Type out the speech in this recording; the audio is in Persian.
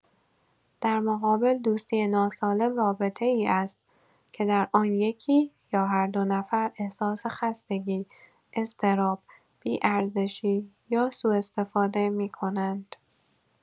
در مقابل، دوستی ناسالم رابطه‌ای است که در آن یکی یا هر دو نفر احساس خستگی، اضطراب، بی‌ارزشی یا سوءاستفاده می‌کنند.